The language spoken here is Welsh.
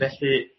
felly